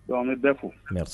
Don bɛ fo mɛ